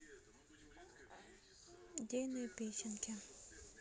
дельные песенки